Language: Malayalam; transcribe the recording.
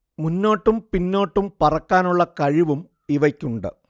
മുന്നോട്ടും പിന്നോട്ടും പറക്കാനുള്ള കഴിവും ഇവയ്ക്കുണ്ട്